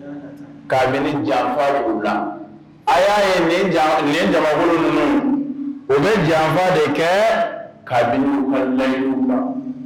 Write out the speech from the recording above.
Janfa la a y'a nin ja ninnu o bɛ janfa de kɛ' layi